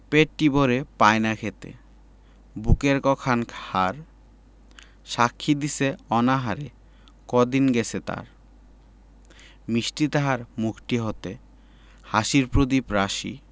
পেটটি ভরে পায় না খেতে বুকের ক খান হাড় সাক্ষী দিছে অনাহারে কদিন গেছে তার মিষ্টি তাহার মুখটি হতে হাসির প্রদীপ রাশি